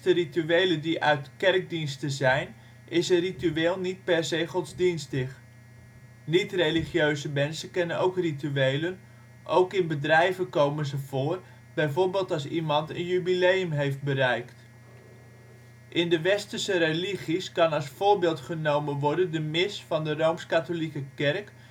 rituelen die uit kerkdiensten zijn, is een ritueel niet per se godsdienstig. Niet-religieuze mensen kennen ook rituelen. Ook in bedrijven komen ze voor, bijvoorbeeld wordt een ritueel opgevoerd als iemand een jubileum heeft bereikt. In de westerse religies kan als voorbeeld genomen worden de mis van de Rooms-Katholieke Kerk